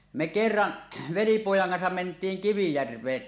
me kerran velipojan kanssa mentiin Kivijärveen